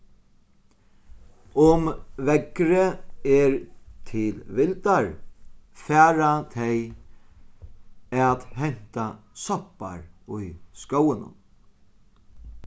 um veðrið er til vildar fara tey at henta soppar í skóginum